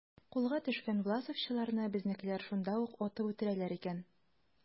Кулга төшкән власовчыларны безнекеләр шунда ук атып үтерәләр икән.